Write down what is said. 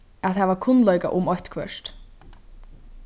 at hava kunnleika um eitthvørt